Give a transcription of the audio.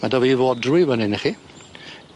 Ma' 'dy fi fodrwy fyn 'y i chi.